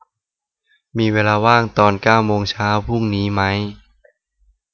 มีเวลาว่างตอนเก้าโมงเช้าพรุ่งนี้ไหม